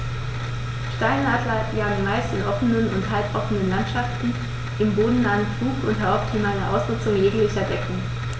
Steinadler jagen meist in offenen oder halboffenen Landschaften im bodennahen Flug unter optimaler Ausnutzung jeglicher Deckung.